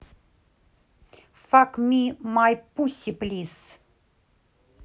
fuck me my pussy place